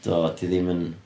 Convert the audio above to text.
Do, dio ddim yn...